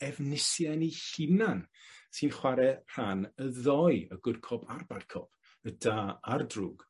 Efnisien 'i hunan sy'n chware rhan y ddou, y good cop a'r bad cop. Y da a'r drwg.